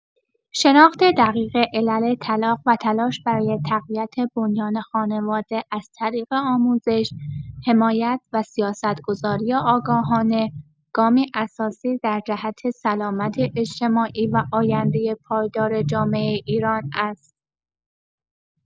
شناخت دقیق علل طلاق و تلاش برای تقویت بنیان خانواده از طریق آموزش، حمایت و سیاست‌گذاری آگاهانه، گامی اساسی در جهت سلامت اجتماعی و آینده پایدار جامعه ایران است.